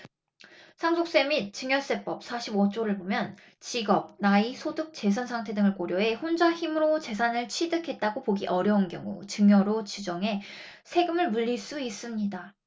상속세 및 증여세법 사십 오 조를 보면 직업 나이 소득 재산 상태 등을 고려해 혼자 힘으로 재산을 취득했다고 보기 어려운 경우 증여로 추정해 세금을 물릴 수 있습니다